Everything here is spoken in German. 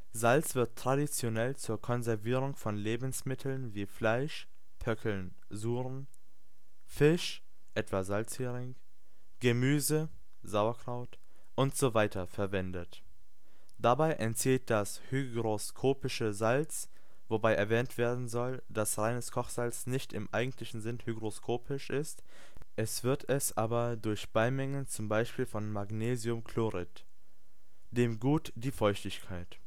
Salz wird traditionell zur Konservierung von Lebensmitteln wie Fleisch (Pökeln, Suren), Fisch (etwa Salzhering), Gemüse (Sauerkraut) usw. verwendet. Dabei entzieht das hygroskopische Salz (wobei erwähnt werden soll, dass reines Kochsalz nicht im eigentlichen Sinn hygroskopisch ist, es wird es aber durch Beimengungen zum Beispiel von Magnesiumchlorid) dem Gut die Feuchtigkeit